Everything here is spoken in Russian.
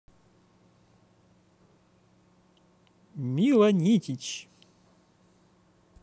мила нитич